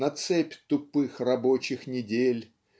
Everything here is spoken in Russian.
на цепь тупых рабочих недель